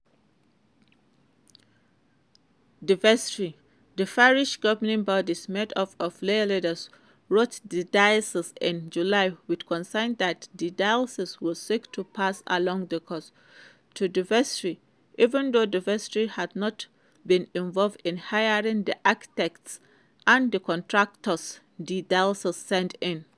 The vestry - the parish's governing body, made up of lay leaders - wrote the diocese in July with concerns that the diocese "would seek to pass along the costs" to the vestry, even though the vestry had not been involved in hiring the architects and contractors the diocese sent in.